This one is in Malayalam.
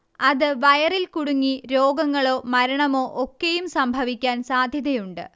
അത് വയറിൽ കുടുങ്ങി രോഗങ്ങളോ മരണമോ ഒക്കെയും സംഭവിക്കാൻ സാധ്യതയുണ്ട്